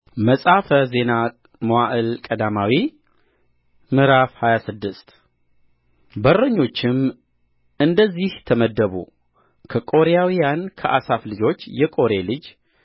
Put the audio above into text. መጽሐፈ ዜና መዋዕል ቀዳማዊ ምዕራፍ ሃያ ስድስት በረኞችም እንደዚህ ተመደቡ ከቆሬያውያን ከአሳፍ ልጆች የቆሬ ልጅ